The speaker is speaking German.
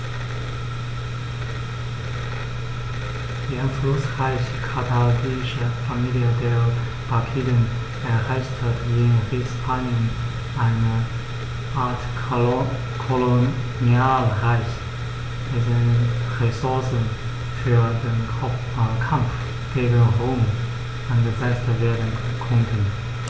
Die einflussreiche karthagische Familie der Barkiden errichtete in Hispanien eine Art Kolonialreich, dessen Ressourcen für den Kampf gegen Rom eingesetzt werden konnten.